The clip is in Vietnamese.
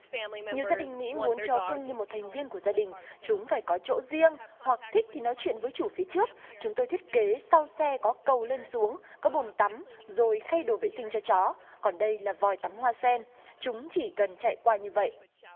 nhiều gia đình mỹ muốn chó cưng như một thành viên của gia đình chúng phải có chỗ riêng hoặc thích thì nói chuyện với chủ phía trước chúng tôi thiết kế sau xe có cầu lên xuống có bồn tắm rồi thay đồ vệ sinh cho chó còn đây là vòi tắm hoa sen chúng chỉ cần chạy qua như vậy